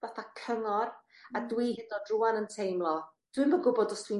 fatha cyngor. A dwi hyd yn o'd rŵan yn teimlo. dwi'm yn gwbod os dwi'n